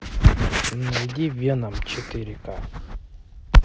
найди веном четыре ка